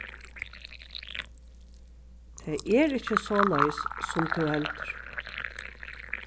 tað er ikki soleiðis sum tú heldur